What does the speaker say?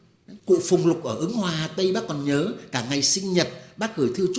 cụ phùng lục ở ứng hòa tây bắc bác còn nhớ cả ngày sinh nhật bác gửi thư chúc